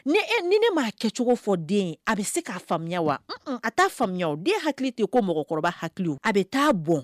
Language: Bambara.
Ni e ni ne m'a kɛcogo fɔ den ye, a bɛ se k'a faamuya wa? Un un, a t'a faamuya, den hakili tɛ komi mɔgɔkɔrɔba hakili, a bɛ taa bon